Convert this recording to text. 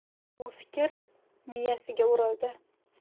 bu fikr miyasiga urildi